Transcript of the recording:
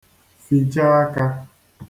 fìcha ākā